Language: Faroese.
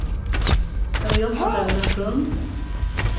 kann eg hjálpa tær við nøkrum